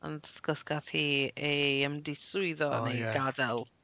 Ond wrth gwrs gaeth hi ei ymddiswyddo... o ie. ...neu gadael.